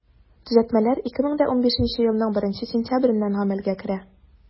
Төзәтмәләр 2015 елның 1 сентябреннән гамәлгә керә.